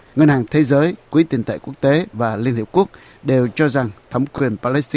ngân hàng thế giới quỹ tiền tệ quốc tế và liên hiệp quốc đều cho rằng thẩm quyền pha lét